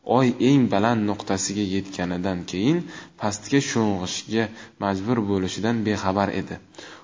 oy eng baland nuqtasiga yetganidan keyin pastga sho'ng'ishga majbur bo'lishidan bexabar edi